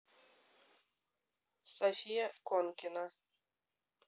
софия конкина